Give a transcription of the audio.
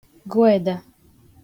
gụèda